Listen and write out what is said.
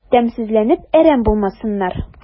Тәмсезләнеп әрәм булмасыннар...